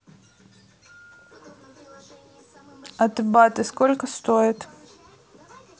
атыбаты сколько стоит